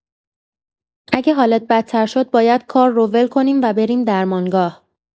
اگه حالت بدتر شد باید کار رو ول کنیم و بریم درمانگاه.